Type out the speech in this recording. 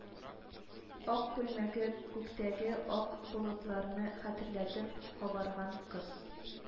Ак күлмәге күктәге ак болытларны хәтерләтеп кабарган, кыз